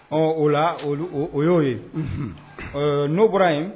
Ɔ o la o y'o ye n'o bɔra yen